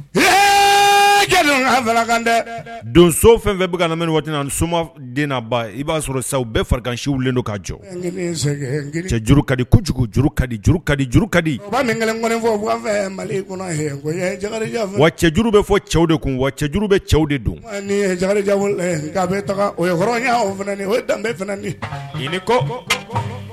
Ee kan dɛ donso fɛn fɛn bɛ ka waati soma denba i b'a sɔrɔ sa bɛɛ farigansiw weele don ka jɔ cɛj kadijugu juru ka di kadij kadi fɔ wa cɛjuru bɛ fɔ cɛw de kun wa cɛj juru bɛ cɛw de don fana o danbe nin kɔ